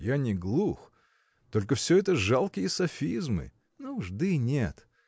я не глух, только все это жалкие софизмы. – Нужды нет.